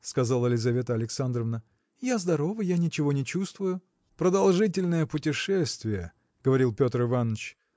– сказала Лизавета Александровна, – я здорова, я ничего не чувствую. – Продолжительное путешествие – говорил Петр Иваныч